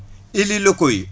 élus locaux yi